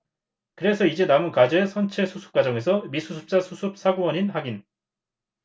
그래서 이제 남은 과제 선체 수습 과정에서 미수습자 수습 사고원인 확인